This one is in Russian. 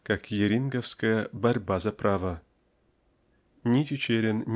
как иеринговская "Борьба за право". Ни Чичерин